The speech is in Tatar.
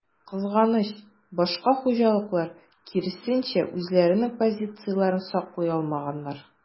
Кызганыч, башка хуҗалыклар, киресенчә, үзләренең позицияләрен саклый алмаганнар.